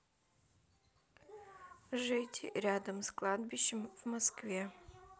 жить рядом с кладбищем в москве